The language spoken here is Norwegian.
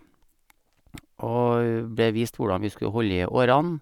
Og ble vist hvordan vi skulle holde i årene.